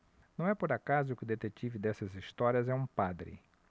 não é por acaso que o detetive dessas histórias é um padre